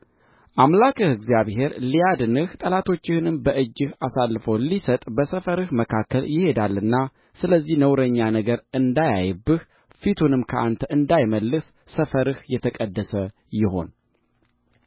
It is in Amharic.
አምላክህ እግዚአብሔር ሊያድንህ ጠላቶችህንም በእጅህ አሳልፎ ሊሰጥ በሰፈርህ መካከል ይሄዳልና ስለዚህ ነውረኛ ነገር እንዳያይብህ ፊቱንም ከአንተ እንዳይመልስ ሰፈርህ የተቀደስ ይሁን